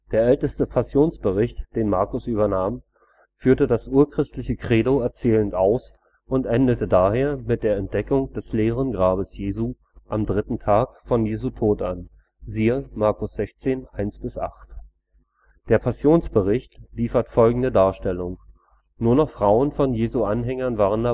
älteste Passionsbericht, den Markus übernahm, führt das urchristliche Credo erzählend aus und endet daher mit der Entdeckung des leeren Grabes Jesu am „ dritten Tag “von Jesu Tod an (Mk 16,1 – 8 EU). Der Passionsbericht liefert folgende Darstellung: Nur noch Frauen von Jesu Anhängern waren